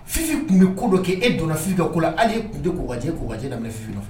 Fisi tun bɛ kolo kɛ e donnafi ka ale tun bɛda bɛ fi